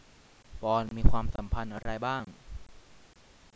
ปอนด์มีความสัมพันธ์อะไรบ้าง